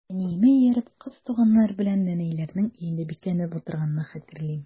Әниемә ияреп, кыз туганнар белән нәнәйләрнең өендә бикләнеп утырганны хәтерлим.